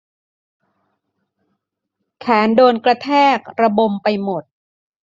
แขนโดนกระแทกระบมไปหมด